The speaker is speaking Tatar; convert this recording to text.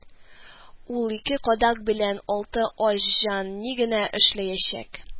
Ул ике кадак белән алты ач җан ни генә эшләячәк